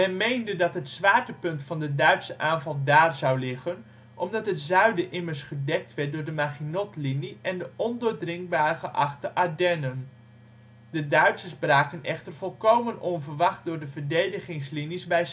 meende dat het zwaartepunt van de Duitse aanval daar zou liggen, omdat het zuiden immers gedekt werd door de Maginotlinie en de ondoordringbaar geachte Ardennen. De Duitsers braken echter volkomen onverwacht door de verdedigingslinies bij